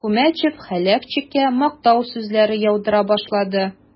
Күмәчев Хәләфчиккә мактау сүзләре яудыра башлады.